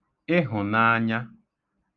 ịhụ̀naanya